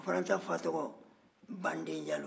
o fana ta fa tɔgɔ bande jalo